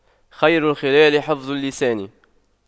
خير الخلال حفظ اللسان